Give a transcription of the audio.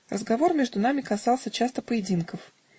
Разговор между нами касался часто поединков